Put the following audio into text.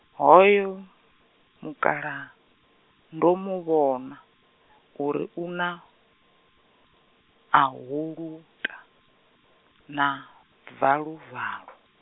hoyo, mukalaha, ndo mu vhona, uri u na, ahuluta, na, valuvalu.